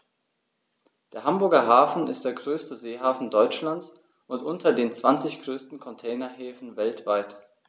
Der Hamburger Hafen ist der größte Seehafen Deutschlands und unter den zwanzig größten Containerhäfen weltweit.